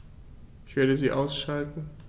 Ich werde sie ausschalten